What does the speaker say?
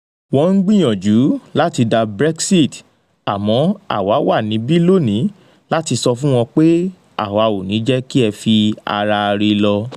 Wọ́n ń gbìyànjù láti da Brexit àmọ́ àwa wà níbí lónìí láti sọ fún wọn pé,' Àwa ò ní jẹ́ kí ẹ fi ara re lọ'.